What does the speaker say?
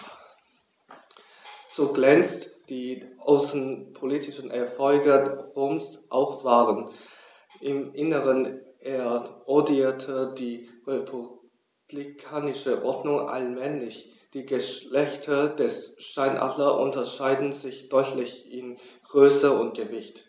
So glänzend die außenpolitischen Erfolge Roms auch waren: Im Inneren erodierte die republikanische Ordnung allmählich. Die Geschlechter des Steinadlers unterscheiden sich deutlich in Größe und Gewicht.